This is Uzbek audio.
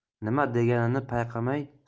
nima deganini payqamay